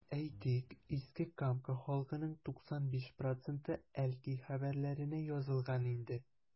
Әйтик, Иске Камка халкының 95 проценты “Әлки хәбәрләре”нә язылган инде.